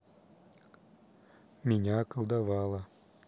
меня околдовала